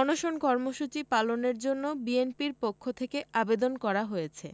অনশন কর্মসূচি পালনের জন্য বিএনপির পক্ষ থেকে আবেদন করা হয়েছে